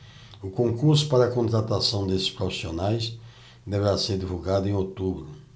o concurso para contratação desses profissionais deverá ser divulgado em outubro